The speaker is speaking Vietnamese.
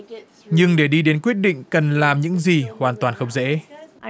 nhưng để đi đến quyết định cần làm những gì hoàn toàn không dễ